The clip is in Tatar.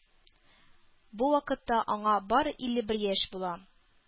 Бу вакытта аңа бары илле бер яшь була.